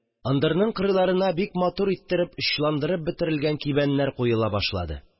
Ындырның кырыйларына бик матур иттереп очландырып бетерелгән кибәннәр куела башлады